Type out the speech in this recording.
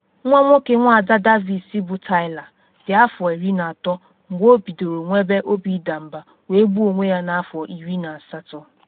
Nwa nwoke Nwada Davis bụ Tyler dị afọ 13 mgbe o bidoro nwebe obi ịda mba wee gbuo onwe ya n’afọ 18.